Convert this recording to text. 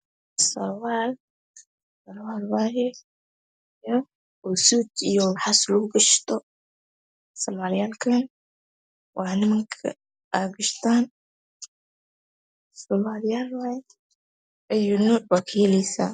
Surwaal surwaal wayo oo suud iyo waxaas lagu gashto surwal yaalkan waa nimak aa gashtaan surwal yaal waye ayuu nooc waa kaheleysaa